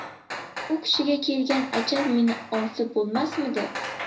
u kishiga kelgan ajal meni olsa bo'lmasmidi